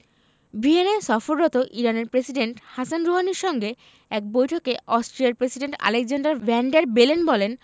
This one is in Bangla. ভিয়েনায় সফররত ইরানের প্রেসিডেন্ট হাসান রুহানির সঙ্গে এক বৈঠকে অস্ট্রিয়ার president Alexander Van der Bellen বলেন